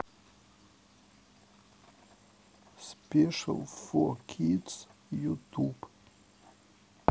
спешл фо кидс ютуб